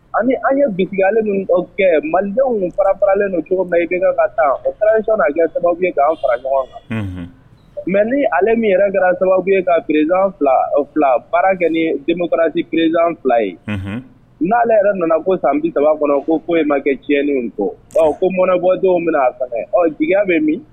Ani an ye bi ale ninnu ka kɛ malidenw ninnu fara baaralen don cogoba i bɛka ka ka taa o kalansi kɛ sababu ye k' an fara ɲɔgɔn kan mɛ ni ale min yɛrɛ kɛra sababu ye ka perezsan fila fila baara kɛ ni denfasi perez fila ye n'ale yɛrɛ nana ko san bi saba kɔnɔ ko foyi ye ma kɛ tiɲɛɲɛnlen kɔ ko mɔnɛbɔdenw bɛna a sɛgɛn jigiya bɛ min